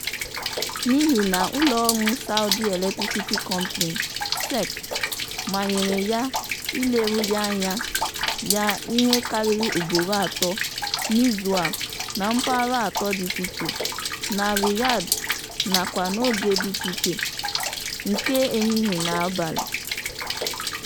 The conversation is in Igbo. N'ihi na ụlọọrụ Saudi Electricity Company (SEC) manyere ya ileru ya anya ya ihe karịrị ugboro atọ n'izu a na mpaghara atọ dị icheiche na Riyadh nakwa n'oge dị icheiche nke ehihie na abalị.